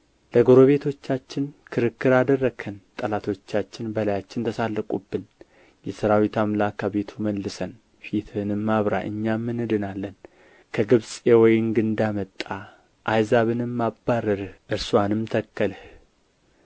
ለጎረቤቶቻችን ክርክር አደረግኸን ጠላቶቻችንም በላያችን ተሣለቁብን የሠራዊት አምላክ አቤቱ መልሰን ፊትህንም አብራ እኛም እንድናለን ከግብጽ የወይን ግንድ አመጣህ አሕዛብን አባረርህ እርስዋንም ተከልህ